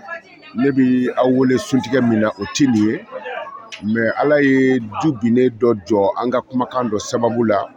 Ne bɛ aw wele suntigɛ min na o tɛ min ye mais Ala ye du boɲɛn dɔ jɔ an ka kumakan dɔ sababu la